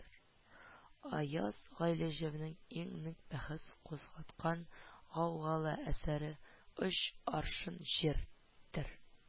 Аяз Гыйләҗевнең иң нык бәхәс кузгаткан гаугалы әсәре «Өч аршын җир»дер,